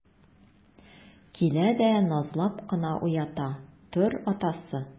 Килә дә назлап кына уята: - Тор, атасы!